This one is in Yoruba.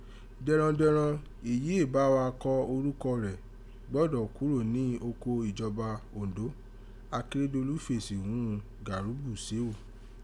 Dẹ̀randẹ̀ran èyí éè bá wá kọ orúkọ rẹ gbọ́dọ̀ kúrò ni oko ìjọba Ondo, Akeredolu fèsi ghún Garubu Sehu.